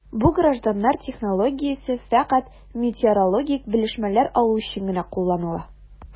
Бу гражданнар технологиясе фәкать метеорологик белешмәләр алу өчен генә кулланыла...